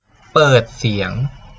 เปิดเสียง